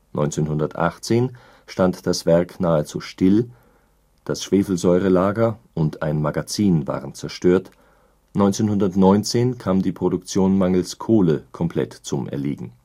1918 stand das Werk nahezu still, das Schwefelsäurelager und ein Magazin waren zerstört, 1919 kam die Produktion mangels Kohle komplett zum erliegen